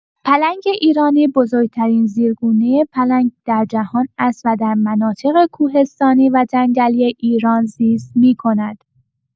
پلنگ ایرانی بزرگ‌ترین زیرگونه پلنگ در جهان است و در مناطق کوهستانی و جنگلی ایران زیست می‌کند.